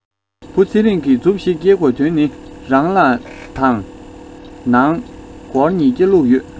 བུ ཚེ རིང གྱི མཛུབ ཞིག ཀེར དགོས དོན ནི རང ལ དང ནང སྒོར ཉི བརྒྱ བླུག ཡོད